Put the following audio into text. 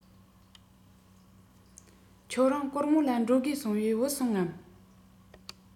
ཁྱོད རང གོར མོ ལ འགྲོ དགོས གསུངས པས བུད སོང ངམ